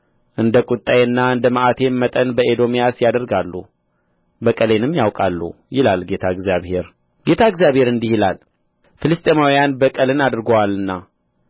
እንደ ቍጣዬና እንደ መዓቴም መጠን በኤዶምያስ ያደርጋሉ በቀሌንም ያውቃሉ ይላል ጌታ እግዚአብሔር ጌታ እግዚአብሔር እንዲህ ይላል ፍልስጥኤማውያን በቀልን አድርገዋልና